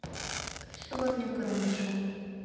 рисование карандашом